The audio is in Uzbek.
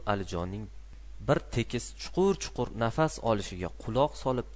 alijonning bir tekis chuqur chuqur nafas olishiga quloq solib